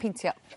Peintio.